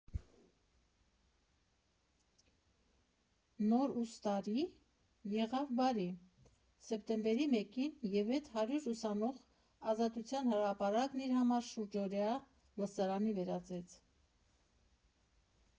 Նոր ուստարի՞, եղա՛վ, բարի, սեպտեմբերի մեկին ևեթ հարյուր ուսանող Ազատության հրապարակն իր համար շուրջօրյա լսարանի վերածեց.